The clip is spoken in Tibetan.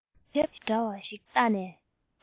ཞབས འདྲ བ ཞིག བཏགས ནས